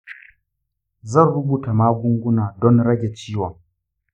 zan rubuta magunguna don rage ciwon.